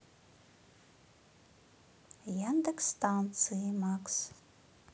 яндекс станции макс